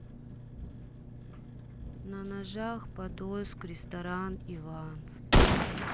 на ножах подольск ресторан иван